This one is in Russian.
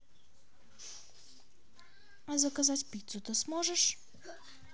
а заказать пиццу ты сможешь